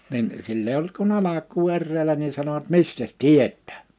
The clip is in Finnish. niin sillä ei ollut kuin alkua eräillä niin sanoivat mistäs tietää